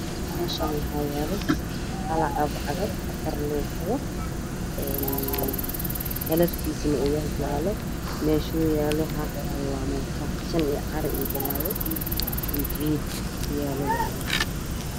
Meeshaan waxaa yaalo hal cagafcagaf afar lug qabo een kalarkiisane uu yahay jaalle meeshoo yaalo waa qashin qashin ah caro iyo balaayo iyo geed ku yaalo waaye.